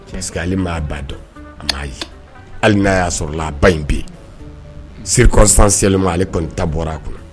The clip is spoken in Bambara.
Parce que ale maa ba dɔn a' hali n'a y'a sɔrɔ a ba in bɛ sirikɔrɔ selima ale kɔni ta bɔra a kɔnɔ